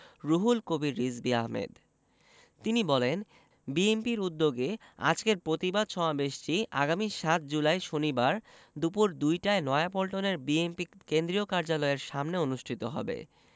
রুহুল কবির রিজভী আহমেদ তিনি বলেন বিএনপির উদ্যোগে আজকের প্রতিবাদ সমাবেশটি আগামী ৭ জুলাই শনিবার দুপুর দুইটায় নয়াপল্টনের বিএনপি কেন্দ্রীয় কার্যালয়ের সামনে অনুষ্ঠিত হবে